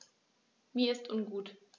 Mir ist ungut.